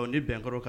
O ni bɛnkɔrɔ kan